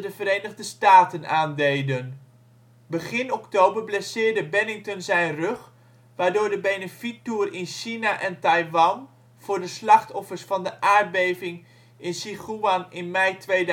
Verenigde Staten aandeden. Begin oktober blesseerde Bennington zijn rug, waardoor de benefiettoer in China en Taiwan voor de slachtoffers van de aardbeving in Sichuan in mei 2008